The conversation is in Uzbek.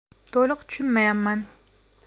to'liq tushunmayapman